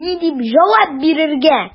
Ни дип җавап бирергә?